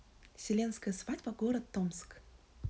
селенская свадьба город томск